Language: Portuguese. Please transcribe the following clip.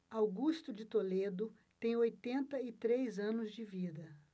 augusto de toledo tem oitenta e três anos de vida